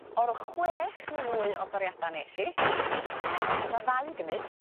o'r chwech neu fwy o doriada nesh i nath 'na ddau gymyd